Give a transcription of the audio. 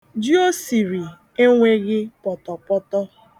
Ji o siri enweghi pọtọpọtọ.